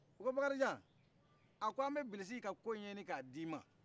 u ko bakarijan a ko an bɛ bilisi ka kow ɲɛɲini k'a d'i ma